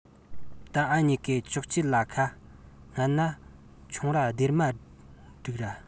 ད ངུ གཉིས ཀས ཅོག ཅེ ལ ཁ སྔན ན ཆུང ར སྡེར མ སྒྲིག ར